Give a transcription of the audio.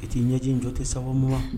E t'i ɲɛji in jɔ tɛ sababumu ma